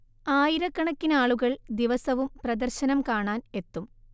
ആയിരക്കണക്കിനാളുകൾ ദിവസവും പ്രദർശനം കാണാൻ എത്തും